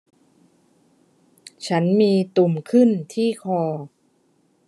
ฉันมีตุ่มขึ้นที่คอ